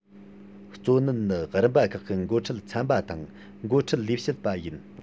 གཙོ གནད ནི རིམ པ ཁག གི འགོ ཁྲིད ཚན པ དང འགོ ཁྲིད ལས བྱེད པ ཡིན